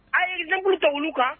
A ye exemple ta olu kan.